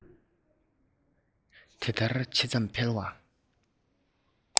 ད ལྟར ཇི ཙམ འཕེལ བའི